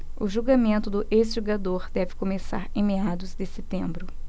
o julgamento do ex-jogador deve começar em meados de setembro